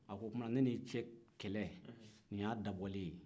a ko o tumana ne n'i cɛ kɛlɛ nin y'a dabɔlen ye